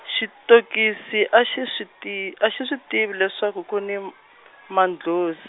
Xitokisi a xi swi ti-, a xi swi tivi leswaku ku ni m-, mandlhozi.